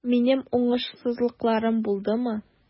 Минем уңышсызлыкларым булдымы?